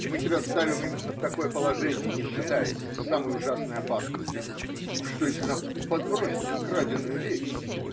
И мы себя ставим именно в такое положение, не считаясь с самой ужасной опасностью: а что, если нам подбросят краденую вещь?